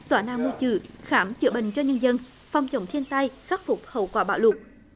xóa nạn mù chữ khám chữa bệnh cho nhân dân phòng chống thiên tai khắc phục hậu quả bão lụt